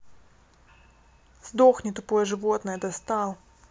сдохни тупое животное достал